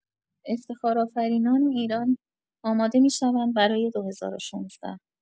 افتخار آفرینان ایران آماده می‌شوند برای ۲۰۱۶